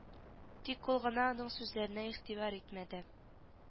Тик ул гына аның сүзләренә игътибар итмәде